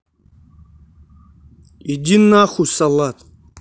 иди нахуй салат